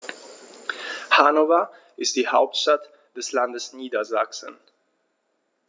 Hannover ist die Hauptstadt des Landes Niedersachsen.